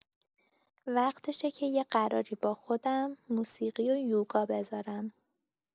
وقتشه که یه قراری با خودم، موسیقی و یوگا بذارم.